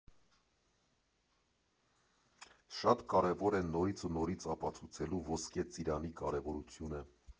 Շատ կարևոր է նորից ու նորից ապացուցելու Ոսկե ծիրանի կարևորությունը։